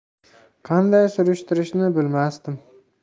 qanday surishtirishni bilmasdim